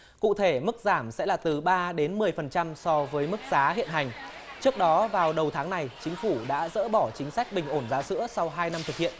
cụ thể mức giảm sẽ là từ ba đến mười phần trăm so với mức giá hiện hành trước đó vào đầu tháng này chính phủ đã dỡ bỏ chính sách bình ổn giá sữa sau hai năm thực hiện